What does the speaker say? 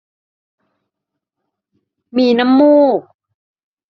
มีน้ำมูก